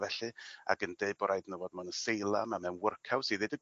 felly ag yn deud bod raid n'w fod mewn asylum a mewn work house i ddeud y